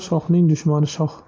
shohning dushmani shoh